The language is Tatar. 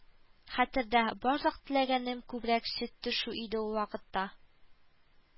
Хәтердә, барлык теләгәнем күбрәк сөт төшү иде ул вакытта